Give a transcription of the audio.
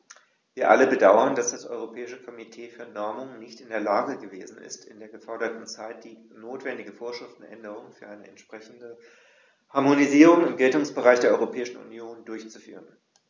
Wir alle bedauern, dass das Europäische Komitee für Normung nicht in der Lage gewesen ist, in der geforderten Zeit die notwendige Vorschriftenänderung für eine entsprechende Harmonisierung im Geltungsbereich der Europäischen Union durchzuführen.